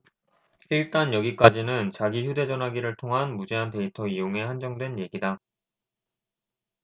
일단 여기까지는 자기 휴대전화기를 통한 무제한 데이터 이용에 한정된 얘기다